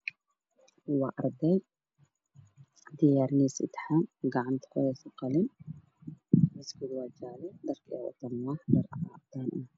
Waa arday diyaarineysa imtixaan ka gacanta ku haysata qalin iyo buug miis u saaran tahay